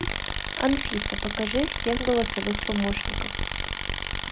анфиса покажи всех голосовых помощников